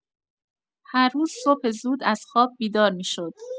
هر روز صبح زود از خواب بیدار می‌شد.